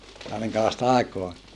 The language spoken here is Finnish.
jaa minkälaista aikaa